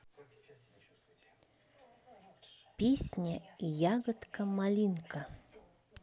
песня ягодка малинка